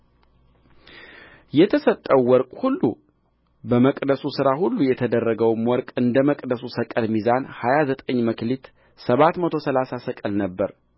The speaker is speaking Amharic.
የተሰጠው ወርቅ ሁሉ በመቅደሱ ሥራ ሁሉ የተደረገው ወርቅ እንደ መቅደሱ ሰቅል ሚዛን ሀያ ዘጠኝ መክሊት ሰባት መቶ ሠላሳ ሰቅል ነበረ